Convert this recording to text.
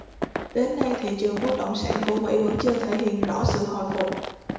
đến nay thị trường bất động sản của mỹ vẫn chưa thể hiện rõ sự hồi phục